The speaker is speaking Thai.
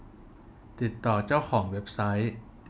ติดต่อเจ้าของเว็บไซต์